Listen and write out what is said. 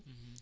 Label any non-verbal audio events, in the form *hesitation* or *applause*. *hesitation* *hesitation*